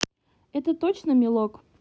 это точно милок